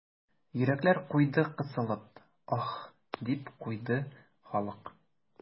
Йөрәкләр куйды кысылып, аһ, дип куйды халык.